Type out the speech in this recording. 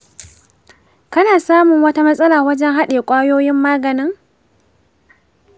kana samun wata matsala wajen haɗiye ƙwayoyin maganin?